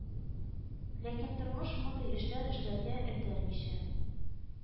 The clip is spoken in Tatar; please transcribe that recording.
Ләкин тормыш мондый эшләр эшләргә этәрмичә